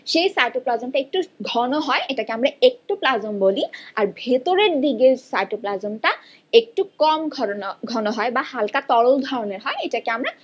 সে cytoplasm টা একটু ঘন হয় এটাকে আমরা একটোপ্লাজম বলি আর ভেতরের দিকে সাইটোপ্লাজম টা একটু কম ঘন হয় বা হালকা তরল ধরনের হয় এটা কে আমরা